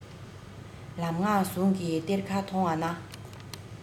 ལམ སྔགས ཟུང གི གཏེར ཁ མཐོང བ ན